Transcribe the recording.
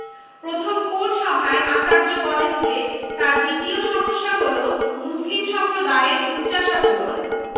প্রথম কোর্ট সভায় আচার্য বলেন যে তাঁর দ্বিতীয় সমস্যা হলো মুসলিম সম্প্রদায়ের উচ্চাশা পূরণ